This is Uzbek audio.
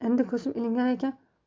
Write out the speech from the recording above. endi ko'zim ilingan ekan